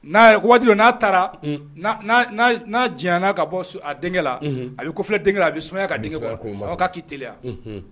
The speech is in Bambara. N'a ye n'a taara n'a diɲɛ' ka bɔ a denkɛ la a bɛ kofi denkɛ a bɛ soya ka denkɛ ka ki t yan